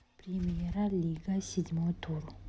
премьер лига седьмой тур